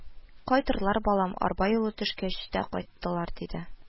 – кайтырлар, балам, арба юлы төшкәч тә кайтырлар, – диде